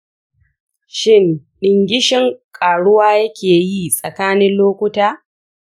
shin ɗingishin ƙaruwa yake yi tsakanin lokuta?